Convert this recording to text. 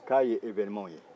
k'a ye kobaw ye